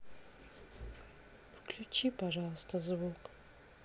включи пожалуйста звук